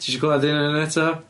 Ti isio clŵad un onnyn nw eto?